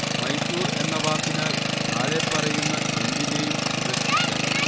മൈസൂർ എന്ന വാക്കിനാൽ താഴെപ്പറയുന്ന എന്തിനേയും വിവക്ഷിക്കാം